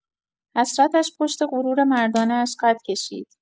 حسرتش پشت غرور مردانه‌اش قد کشید.